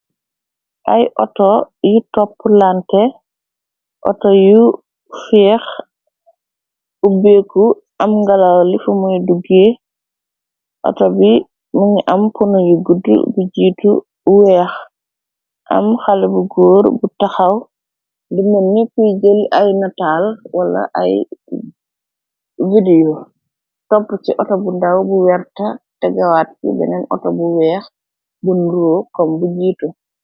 Ay auto yi topp lante, outo yu fiex, ubbeeku, am ngala lifa moy duggee, auto bi mungi am pono yu guddil bu jiitu weex ,am xale bu góor bu taxaw di mën ni kuy gëli ay nataal wala ay video, topp ci oto bu ndaw bu werta, te gawaat bi beneen outo bu weex bunro kom bu jiitu.